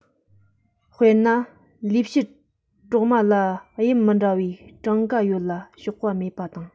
དཔེར ན ལས བྱེད གྲོག མ ལ དབྱིབས མི འདྲ བའི བྲང ག ཡོད ལ གཤོག པ མེད པ དང